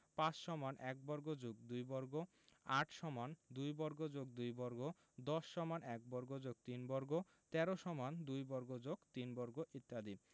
৫ = ১ বর্গ + ২ বর্গ ৮ = ২ বর্গ + ২ বর্গ ১০ = ১ বর্গ + ৩ বর্গ ১৩ = ২ বর্গ + ৩ বর্গ ইত্যাদি